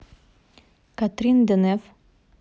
катрин денев